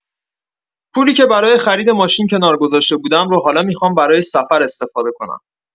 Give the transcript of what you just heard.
پولی که برای خرید ماشین کنار گذاشته بودم رو حالا می‌خوام برای سفر استفاده کنم.